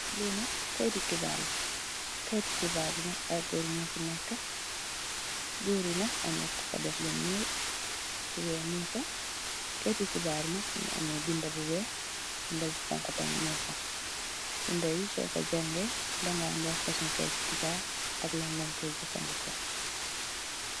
Li nak keyti xibaar la keyti xibaar bi nak ay goor nyu fi neka goori nak amna ko fa def lu nuul lu weex mung fa keyti xibaar bi nak mongi ame binda yu weex binda bu xonxu tamit mung fa bindai soko jangeh daga xam ban fosongi keyti xibaar ak lan len koi jefendeko.